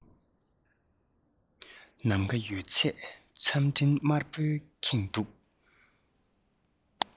ནམ མཁའ ཡོད ཚད མཚམས སྤྲིན དམར པོའི ཁེངས འདུག